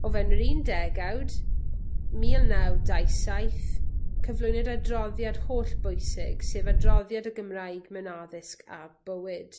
O fewn yr un degawd, mil naw dau saith, cyflwynwyd adroddiad hollbwysig, sef adroddiad y Gymraeg mewn addysg a bywyd.